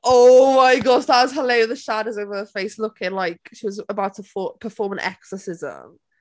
Oh, my gosh, that was hilar-... The shadows over her face, looking like she was about to perfo-, perform an exorcism.